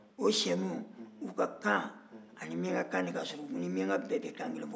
o siyɛnnu u ka kan o ni miyankakan de ka surun u ni miyanka bɛɛ bɛ kan kelen fɔ